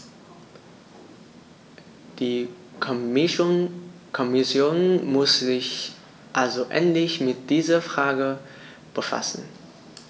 Die Kommission muss sich also endlich mit dieser Frage befassen.